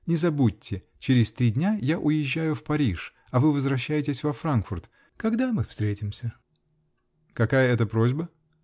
Не забудьте: через три дня я уезжаю в Париж, а вы возвращаетесь во Франкфурт. Когда мы встретимся! -- Какая это просьба?